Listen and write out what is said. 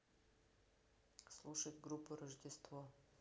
слушать группу рождество